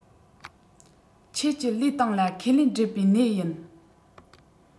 ཁྱེད ཀྱི ལུས སྟེང ལ ཁས ལེན འབྲད བའི གནས ཡིན